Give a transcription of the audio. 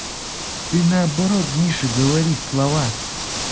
ты наоборот миша говорит слова